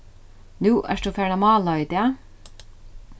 nú ert tú farin at mála í dag